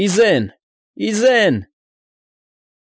Ի զե՜ն։ Ի զե՜ն։